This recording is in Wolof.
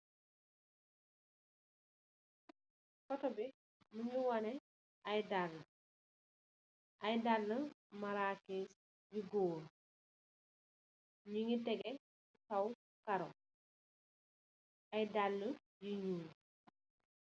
Otto bi mungi wane ay daalë, ay daalë maraakiis, yu Goor. Mungi teegee si kow karo, ay daalë yu ñuul.